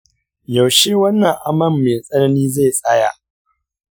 yaushe wannan amai mai tsanani zai tsaya?